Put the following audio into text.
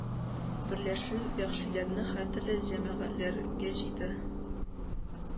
Берләшү вәхшиләрне һәртөрле җәмәгатьләргә җыйды